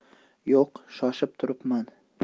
yo'q shoshib turibman